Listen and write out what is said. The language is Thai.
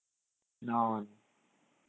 นอน